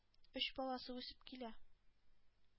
Өч баласы үсеп килә.